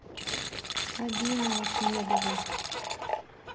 сабина ахмедова